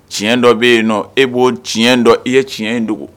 Tiɲɛ dɔ bɛ yen nɔ e b'o tiɲɛ dɔn i ye tiɲɛ in dogo